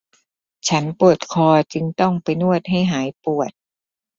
ฉันปวดคอจึงต้องไปนวดให้หายปวด